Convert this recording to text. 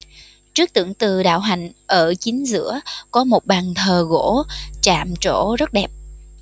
trước tượng từ đạo hạnh ở chính giữa có một bàn thờ gỗ chạm trổ rất đẹp